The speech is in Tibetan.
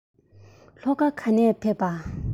ལྷོ ཁ ག ནས ཕེབས པ